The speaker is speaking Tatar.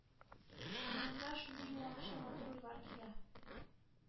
Күңелгә шундый юанычлы матур уйлар килә.